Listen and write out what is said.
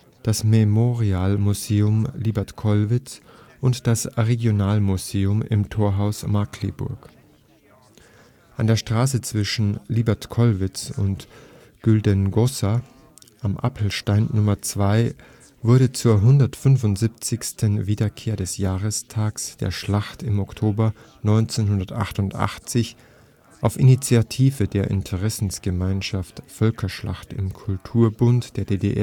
das Memorialmuseum Liebertwolkwitz und das Regionalmuseum im Torhaus Markkleeberg. An der Straße zwischen Liebertwolkwitz und Güldengossa am Apelstein Nr. 2 wurde zur 175. Wiederkehr des Jahrestages der Schlacht im Oktober 1988 auf Initiative der Interessengemeinschaft Völkerschlacht im Kulturbund der DDR